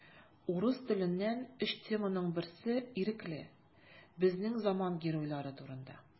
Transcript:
Урыс теленнән өч теманың берсе ирекле: безнең заман геройлары турында.